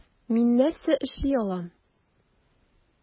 Мин нәрсә эшли алам?